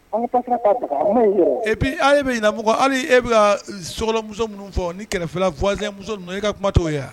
et puis e bɛ ɲinɛ min kɔ hali e bɛ sokɔnɔmuso ninnu fɔ ani kɛrɛfɛ la voisin muso ninnu e ka kuma t'o ye wa?